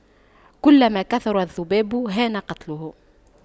كلما كثر الذباب هان قتله